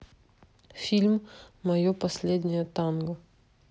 фильм мое последнее танго